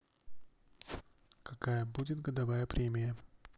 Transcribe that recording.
какая будет годовая премия